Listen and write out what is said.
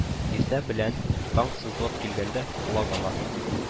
Иртә белән, таң сызылып килгәндә, колагыма: